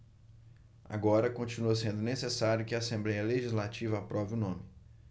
agora continua sendo necessário que a assembléia legislativa aprove o nome